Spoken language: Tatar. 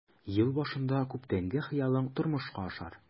Ел башында күптәнге хыялың тормышка ашар.